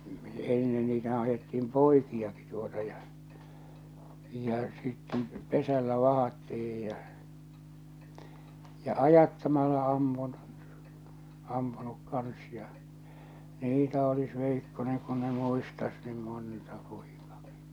ennen niitähän ajettiin poikiakin tuota ja ja sitten pesällä vahdattiin ja ja ajattamalla ammun ampunut kanssa ja niitä olisi veikkonen kun ne muistaisi niin monta poikaakin